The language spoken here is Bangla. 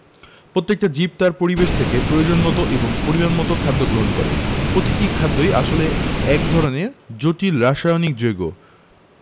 প্রত্যেকটা জীব তার পরিবেশ থেকে প্রয়োজনমতো এবং পরিমাণমতো খাদ্য গ্রহণ করে প্রতিটি খাদ্যই আসলে এক ধরনের জটিল রাসায়নিক যৌগ